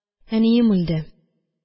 Әнием үлде